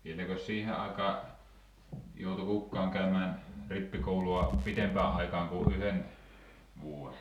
vieläkö siihen aikaan joutui kukaan käymään rippikoulua pidempään aikaan kuin yhden vuoden